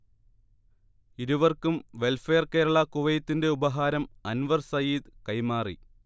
ഇരുവർക്കും വെൽഫെയർ കേരള കുവൈത്തിന്റെ ഉപഹാരം അൻവർ സയീദ് കൈമാറി